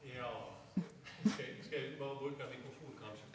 ja skal eg skal eg berre bruke mikrofon kanskje?